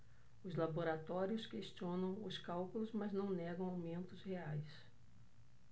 os laboratórios questionam os cálculos mas não negam aumentos reais